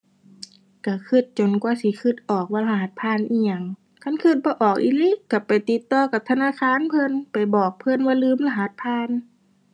ก็ก็จนกว่าสิก็ออกว่ารหัสผ่านอิหยัง คันก็บ่ออกอีหลีก็ไปติดต่อกับธนาคารเพิ่น ไปบอกเพิ่นว่าลืมรหัสผ่าน